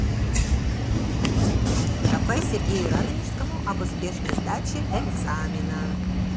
кафе сергею радонежскому об успешной сдаче экзамена